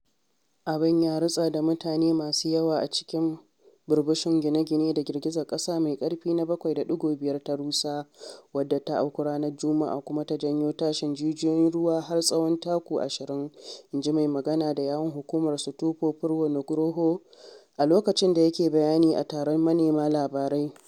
Abin ya ritsa da mutane masu yawa a cikin burbushin gine-gine da girgizar ƙasar mai ƙarfi na 7.5 ta rusa wadda ta auku ranar Juma’a kuma ta jawo tashin jijiyoyin ruwa har tsawon taku 20, inji mai magana da yawun hukumar Sutopo Purwo Nugroho a lokacin da yake bayani a taron manema labarai.